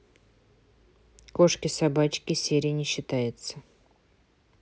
кошки собачки серия не считается